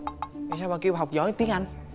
tại sao bà kêu bà học giỏi tiếng anh